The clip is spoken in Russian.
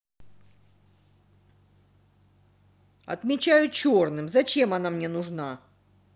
отмечаю черным зачем она мне нужна